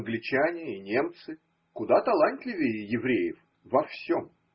англичане и немцы, куда талантливее евреев во всем.